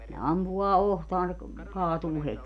ne ampuu otsaan se - kaatuu heti